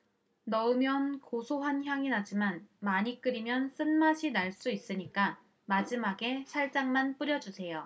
넣으면 고소한 향이 나지만 많이 끓이면 쓴맛이 날 수 있으니까 마지막에 살짝만 뿌려주세요